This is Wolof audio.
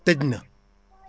tëj na